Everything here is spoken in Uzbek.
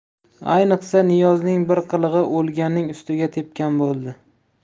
ayniqsa niyozning bir qilig'i o'lganning ustiga tepgan bo'ldi